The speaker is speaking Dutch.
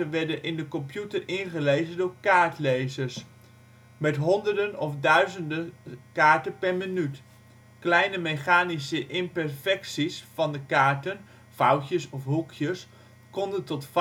werden in de computer ingelezen door kaartlezers, met honderden of duizenden kaarten per minuut. Kleine mechanische imperfecties van de kaarten (vouwtjes, hoekjes) konden tot